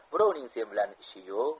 birovning sen bilan ishi yo'q